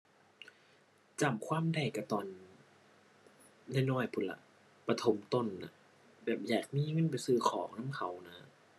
จำความได้ก็ตอนน้อยน้อยพู้นล่ะ ประถมต้นน่ะ แบบอยากมีเงินไปซื้อของนำเขานะ